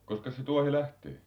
koskas se tuohi lähtee